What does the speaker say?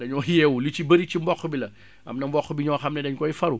dañoo yeewu lu ci bari ci mboq bi la am na mboq bi ñoo xam ne dañ koy faru